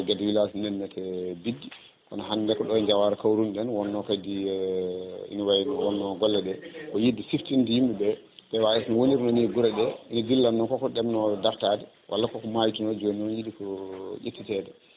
Guédé village ñanden * kono hande koɗo Diawar kawruno ɗen wonno kadi ina wayru wonno kadi golleɗe ko yidde siftinde yimɓeɓe PAS gonirmi ni guure ɗe i guillam noon koko ɗeɓno dartade walla koko maytuno joni noon yiiɗi ko ƴettitede